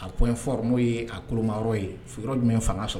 A points forts n'o ye a kolonma ye sigi yɔrɔ jumɛn fanga sɔrɔ?